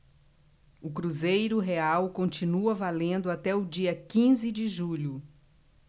o cruzeiro real continua valendo até o dia quinze de julho